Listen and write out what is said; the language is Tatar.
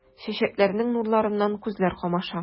Чәчәкләрнең нурларыннан күзләр камаша.